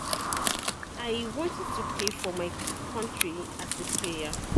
"I wanted to play for my country as a player.